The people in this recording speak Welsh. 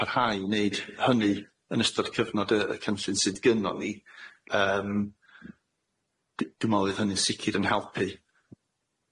parhau wneud hynny yn ystod cyfnod yy y cynllun sydd gynnon ni yym d- dwi'n me'wl oedd hynny'n sicir yn helpu,